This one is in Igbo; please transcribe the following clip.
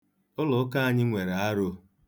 Ụlọọka anyị nwere aro.